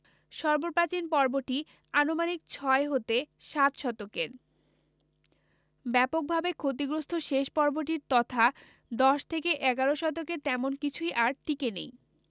সর্বপ্রাচীন পর্বটি আনুমানিক ছয় হতে সাত শতকের ব্যাপকভাবে ক্ষতিগ্রস্ত শেষ পর্বটির তথা দশ থেকে এগারো শতকের তেমন কিছুই আর টিকে নেই